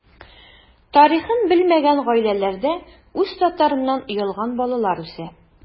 Тарихын белмәгән гаиләләрдә үз татарыннан оялган балалар үсә.